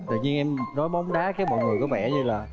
tự nhiên em nói bóng đá cái mọi người có vẻ như là